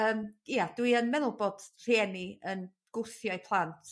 yym ia dwi yn meddwl bod rhieni yn gwthio'u plant.